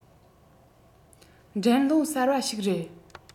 འགྲན སློང གསར པ ཞིག རེད